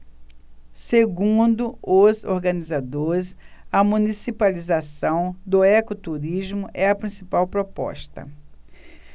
segundo os organizadores a municipalização do ecoturismo é a principal proposta